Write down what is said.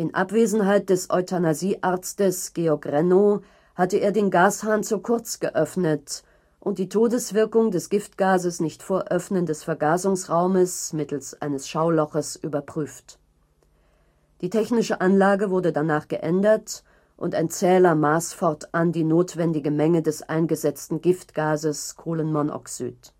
Abwesenheit des „ Euthanasie “- Arztes Georg Renno hatte er den Gashahn zu kurz geöffnet und die Todeswirkung des Giftgases nicht vor Öffnen des Vergasungsraumes (mittels eines Schauloches) überprüft. Die technische Anlage wurde danach geändert, und ein Zähler maß fortan die notwendige Menge des eingesetzten Giftgases Kohlenmonoxid